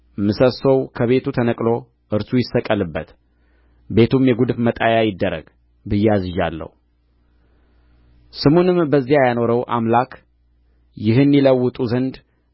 ምሰሶው ከቤቱ ተነቅሎ እርሱ ይሰቀልበት ቤቱም የጉድፍ መጣያ ይደረግ ብዬ አዝዣለሁ ስሙንም በዚያ ያኖረው አምላክ ይህን ይለውጡ ዘንድ